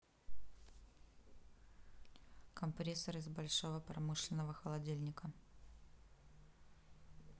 компрессор из большого промышленного холодильника